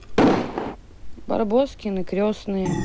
барбоскины крестные